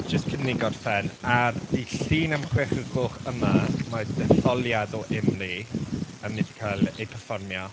Jyst cyn i ni gorffen. Ar dydd Llun am chwech o'r gloch yma mae detholiad o Imrie yn mynd i cael ei perfformio.